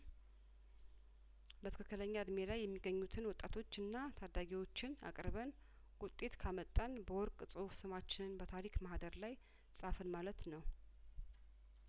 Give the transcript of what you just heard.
በትክክለኛ እድሜ ላይ የሚገኙትን ወጣቶችና ታዳጊዎችን አቅርበን ውጤት ካመጣን በወርቅ ጽሁፍ ስማችንን በታሪክ ማህደር ላይጻፍን ማለት ነው